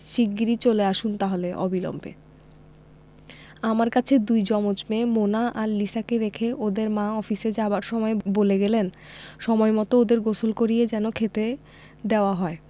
শিগগির চলে আসুন তাহলে অবিলম্বে আমার কাছে দুই জমজ মেয়ে মোনা আর লিসাকে রেখে ওদের মা অফিসে যাবার সময় বলে গেলেন সময়মত ওদের গোসল করিয়ে যেন খেতে দেওয়া হয়